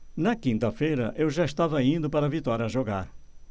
na quinta-feira eu já estava indo para vitória jogar